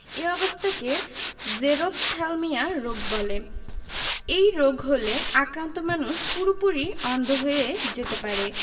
এ অবস্থাকে জেরপ্থ্যালমিয়া রোগ বলে এই রোগ হলে আক্রান্ত মানুষ পুরোপুরি অন্ধ হয়ে যেতে পারে